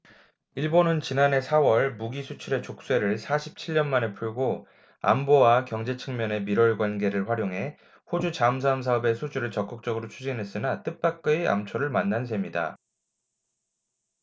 일본은 지난해 사 월 무기 수출의 족쇄를 사십 칠 년 만에 풀고 안보와 경제 측면의 밀월관계를 활용해 호주 잠수함 사업의 수주를 적극적으로 추진했으나 뜻밖의 암초를 만난 셈이다